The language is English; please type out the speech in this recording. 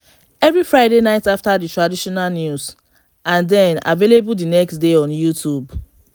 Every Friday night after the traditional news, and then available the next day on YouTube).